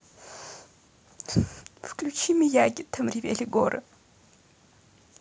включить мияги там ревели горы